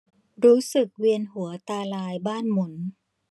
รู้สึกเวียนหัวตาลายบ้านหมุน